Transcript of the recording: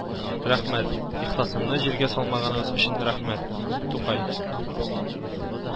Рәхмәт, ихласымны җиргә салмаганыгыз өчен рәхмәт, Тукай